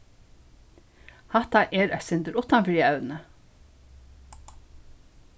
hatta er eitt sindur uttan fyri evnið